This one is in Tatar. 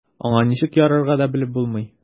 Аңа ничек ярарга да белеп булмый.